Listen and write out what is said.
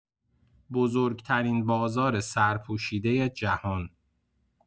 بزرگ‌ترین بازار سرپوشیده جهان.